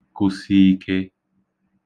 kụ̄sī īkē